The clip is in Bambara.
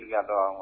I ka taa